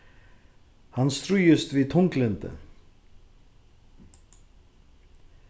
hann stríðist við tunglyndi